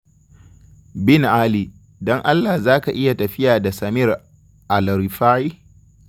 Bin Ali, don Allah za ka iya tafiya da Samir alrifai?